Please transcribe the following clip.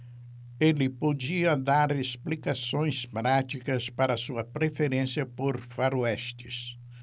ele podia dar explicações práticas para sua preferência por faroestes